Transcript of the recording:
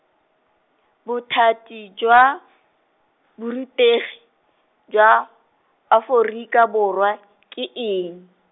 bothati jwa , borutegi, jwa, Aforika Borwa, ke eng?